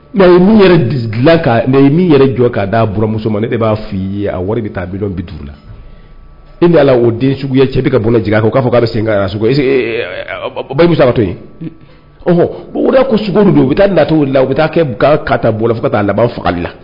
Mɛ min dilan min yɛrɛ jɔ k'a damuso ma ne de b'a f' i ye a wari bɛ taa bitɔndɔn bi duuru la e' ala o den sugu cɛ bɛ ka bɔ jigin a k'a fɔ' bɛ sen satɔ yen ko sogo don bɛ taa lato la bɛ taa kɛ ga kata bɔ fo ka taa laban faga la